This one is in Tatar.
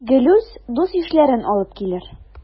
Гелүс дус-ишләрен алып килер.